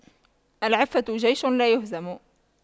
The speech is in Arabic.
العفة جيش لايهزم